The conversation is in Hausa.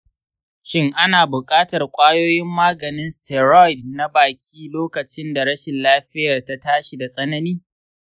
shin ana buƙatar kwayoyin maganin steroid na baki lokacin da rashin lafiyar ta tashi da tsanani?